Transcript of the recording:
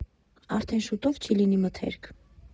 Արդեն շուտով չի լինի մթերք։